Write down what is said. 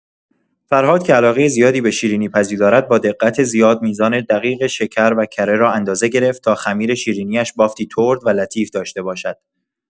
فرهاد که علاقه زیادی به شیرینی‌پزی دارد، با دقت زیاد میزان دقیق شکر و کره را اندازه گرفت تا خمیر شیرینی‌اش بافتی ترد و لطیف داشته باشد.